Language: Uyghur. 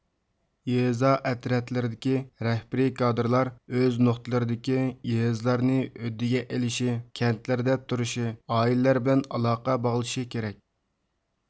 يېزا ئەترەتلىرىدىكى رەھبىرىي كادىرلار ئۆز نۇقتىلىرىدىكى يېزىلارنى ھۆددىگە ئېلىشى كەنتلەردە تۇرۇشى ئائىلىلەر بىلەن ئالاقە باغلىشى كىرەك